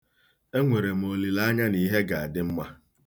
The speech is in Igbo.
Enwere m olilaanya na ihe ga-adị mma.